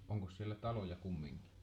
onkos siellä taloja kumminkin